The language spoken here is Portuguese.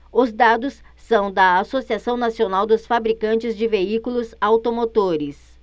os dados são da anfavea associação nacional dos fabricantes de veículos automotores